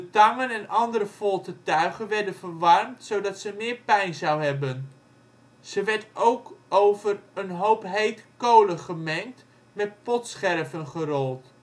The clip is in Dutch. en andere foltertuigen werden verwarmd zodat ze meer pijn zou hebben. Ze werd ook over een hoop hete kolen gemengd met potscherven gerold